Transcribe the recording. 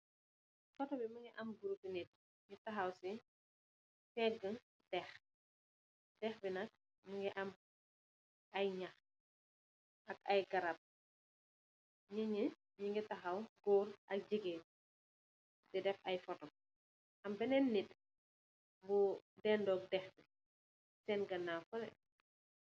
Otto bi mungi am Goor bu neek, taxaw si peegë dex. Dex bi nak, mungi am ay ñax ak ay garap. Nit ñie, ñu ngi taxaw, góor ak jigéen fldi def ay photo. Am benen nit, bu deendoog dex bi, si seen ganaaw fële.